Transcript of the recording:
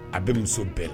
A bɛ muso bɛɛ la